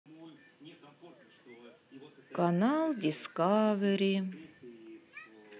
канал дисковери